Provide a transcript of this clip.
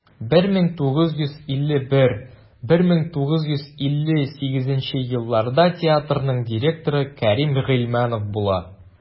1951-1958 елларда театрның директоры кәрим гыйльманов була.